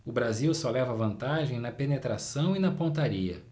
o brasil só leva vantagem na penetração e na pontaria